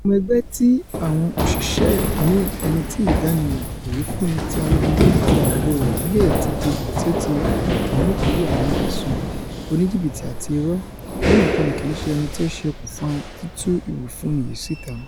Ọmọ ẹgbẹ́ ti àwọn òṣìṣẹ́ mi - ẹnití ìdánimọ̀, ìwìfúnni ti ara-ẹni, àti ààbò rẹ̀ leè ti di èyití ó ti gbọ̀jẹ̀gẹ́ nítorí àwọn ẹ̀sùn oníjìbìtí ati irọ́ - lọ́nàkọ́nà kìi ṣe ẹnití ó ṣe okùnfà títú ìwífúnni yìí síta.